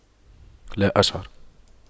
لا أشعر